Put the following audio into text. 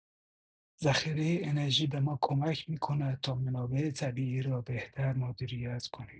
ذخیره انرژی به ما کمک می‌کند تا منابع طبیعی را بهتر مدیریت کنیم.